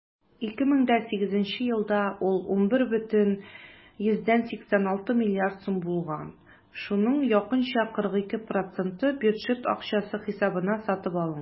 2008 елда ул 11,86 млрд. сум булган, шуның якынча 42 % бюджет акчасы хисабына сатып алынган.